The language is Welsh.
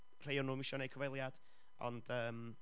Rhai o nhw'm isio wneud cyfweiliad, ond yym,